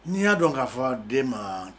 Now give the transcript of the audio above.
N'i y'a dɔn k'a fɔ den ma